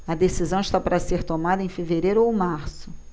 a decisão está para ser tomada em fevereiro ou março